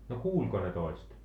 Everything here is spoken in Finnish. no kuuliko ne toiset